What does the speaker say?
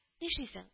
Нишлисең